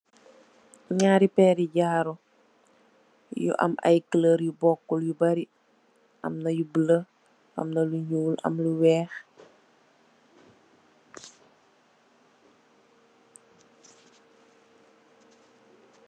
Ñaari pééri jaru yu am ay kulor yu bokut yu barri . Am na yu bula, am na yu ñuul, am yu wèèx .